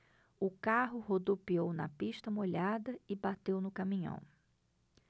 o carro rodopiou na pista molhada e bateu no caminhão